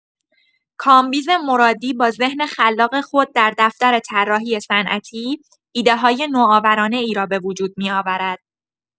کامبیز مرادی با ذهن خلاق خود در دفتر طراحی صنعتی، ایده‌های نوآورانه‌ای را به‌وجود می‌آورد.